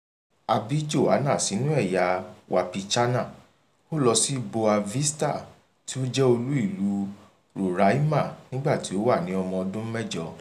A bí Joana sínú ẹ̀yà Wapichana, ó lọ sí Boa Vista tí ó jẹ́ olú-ìlú Roraima nígbà tí ó wà ní ọmọ ọdún mẹ́jọ.